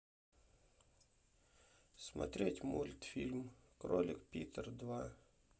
смотреть мультфильм кролик питер два